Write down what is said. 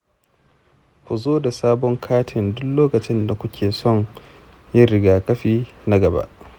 ku zo da sabon katin duk lokacin da kuke son yin rigakafi nan gaba.